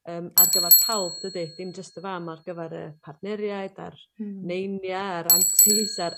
yym ar gyfer pawb dydi dim jyst y fam ar gyfer y partneriaid a'r neinia a'r aunties a'r